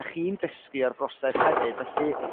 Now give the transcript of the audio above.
dach chi'n dysgu o'r broses hefyd felly